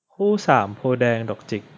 คู่สามโพธิ์แดงดอกจิก